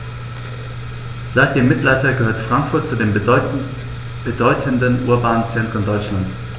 Seit dem Mittelalter gehört Frankfurt zu den bedeutenden urbanen Zentren Deutschlands.